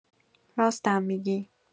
راستم می‌گی